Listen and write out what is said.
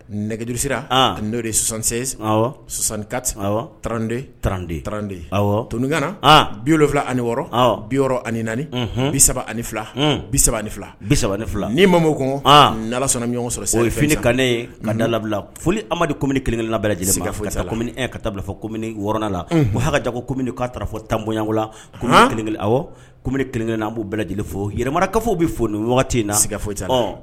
Nɛgɛuru sera n'o de ye sonsansenka tanrandenrandenrande tonungana bi wolonwula ani wɔɔrɔ bi ani naani bi saba ani fila bi saba ani ni fila bi3 ani fila ni ma kɔn ala sɔnna ɲɔgɔn sɔrɔfini ka ne ka da labila foli amadudim kelenkelenla bɛ lajɛlenkafɔ kam ka taabila fɔ kɔmim wɔ la o ha jako kɔmi k'a fɔ tanbonyanla kelen kɔmim kelenkelen b' bɛɛ lajɛlen fo yɛrɛmakafow bɛ fo in na sigika foyi cɛ